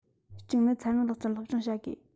གཅིག ནི ཚན རིག ལག རྩལ སློབ སྦྱོང བྱ དགོས